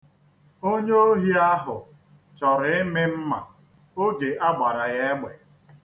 Onye ohi ahụ chọrọ ịmị mma oge a gbara ya egbe.